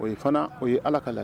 O ye fana o ye Ala ka la